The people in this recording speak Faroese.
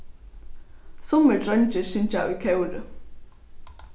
summir dreingir syngja í kóri